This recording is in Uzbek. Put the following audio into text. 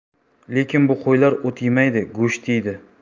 lekin bu qo'ylar o't yemaydi go'sht yeydi